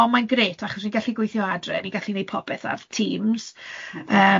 Ond mae'n grêt achos fi'n gallu gweithio adre, ni'n gallu wneud popeth ar Teams.